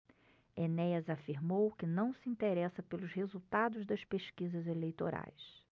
enéas afirmou que não se interessa pelos resultados das pesquisas eleitorais